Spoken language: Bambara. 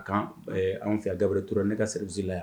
Kan ɛɛ anw fɛ yan Gabrielle Toure ne ka service la yan